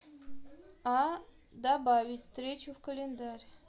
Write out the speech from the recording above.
а добавить встречу в календарь